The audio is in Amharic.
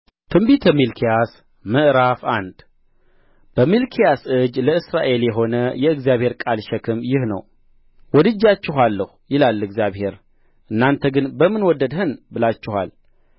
ትንቢተ ሚልክያ ምዕራፍ አንድ በሚልክያስ እጅ ለእስራኤል የሆነ የእግዚአብሔር ቃል ሸክም ይህ ነው ወድጃችኋለሁ ይላል እግዚአብሔር እናንተ ግን በምን ወደድኸን ብላችኋል